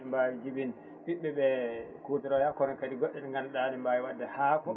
mbawi jibinde ɓiɓɓe ɓe kutoroɗa kono kadi goɗɗe ɗe ganduɗa ne mbawi wadde haako